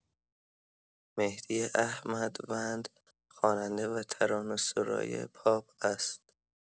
مهدی احمدوند خواننده و ترانه‌سرای پاپ است.